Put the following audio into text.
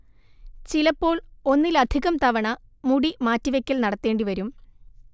ചിലപ്പോൾ ഒന്നിലധികം തവണ മുടി മാറ്റിവെക്കൽ നടത്തേണ്ടി വരും